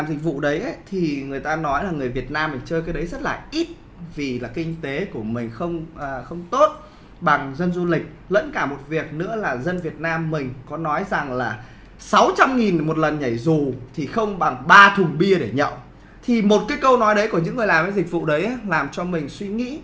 dịch vụ đấy ý thì người ta nói là người việt nam mình chơi cái đấy rất là ít vì là kinh tế của mình không ờ không tốt bằng dân du lịch lẫn cả một việc nữa là dân việt nam mình có nói rằng là sáu trăm nghìn một lần nhảy dù thì không bằng ba thùng bia để nhậu thì một cái câu nói đấy của những người làm dịch vụ đấy làm cho mình suy nghĩ